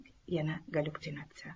yana gallyutsinatsiya